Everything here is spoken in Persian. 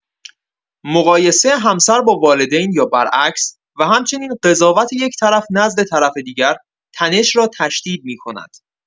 مقایسه همسر با والدین یا برعکس، و همچنین قضاوت یک‌طرف نزد طرف دیگر، تنش را تشدید می‌کند.